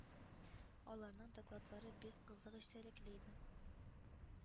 Аларның докладлары бик кызык эчтәлекле иде